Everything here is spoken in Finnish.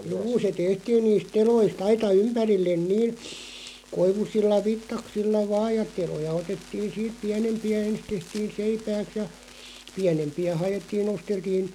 juu se tehtiin niistä teloista aita ympärille niillä koivuisilla vitsaksilla vain ja teloja otettiin siitä pienempiä ensin tehtiin seipääksi ja pienempiä haettiin nosteltiin